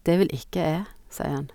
Det vil ikke e, sier han.